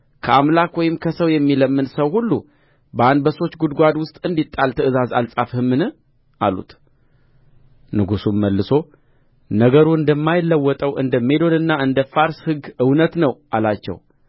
ከአምላክ ወይም ከሰው የሚለምን ሰው ሁሉ በአንበሶች ጕድጓድ ውስጥ እንዲጣል ትእዛዝ አልጻፍህምን አሉት ንጉሡም መልሶ ነገሩ እንደማይለወጠው እንደ ሜዶንና እንደ ፋርስ ሕግ እውነት ነው አላቸው